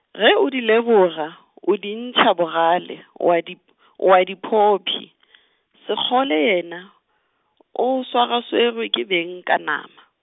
ge o di leboga, o di ntšha bogale, o a di p-, o a di phophi , Sekgole yena, o swarwaswerwe ke beng ka nama.